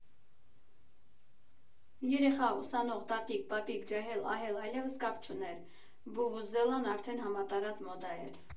Երեխա, ուսանող, տատիկ, պապիկ, ջահել֊ահել, այլևս կապ չուներ, վուվուզելան արդեն համատարած մոդա էր։